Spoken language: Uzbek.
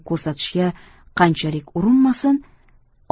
ko'rsatishga qanchalik urinmasin